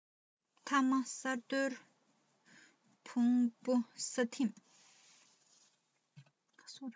ཐ མ ས རྡོའི ཕུང པོ ས ཐིམ